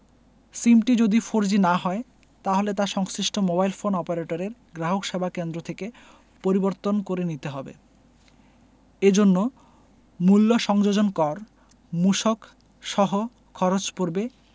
সিমটি যদি ফোরজি না হয় তাহলে তা সংশ্লিষ্ট মোবাইল ফোন অপারেটরের গ্রাহকসেবা কেন্দ্র থেকে পরিবর্তন করে নিতে হবে এ জন্য মূল্য সংযোজন কর মূসক সহ খরচ পড়বে